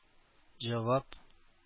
Җавап